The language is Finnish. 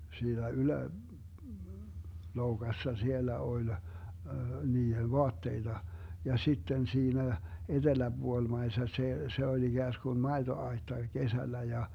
siinä - yläloukassa siellä oli niiden vaatteita ja sitten siinä eteläpuolimaisessa se se oli ikään kuin maitoaitta kesällä ja